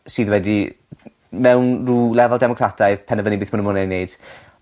sydd wedi mewn rw lefel democrataidd penderfynu beth ma' n'w neud